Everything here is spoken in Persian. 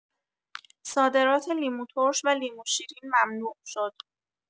صادرات لیموترش و لیموشیرین ممنوع شد.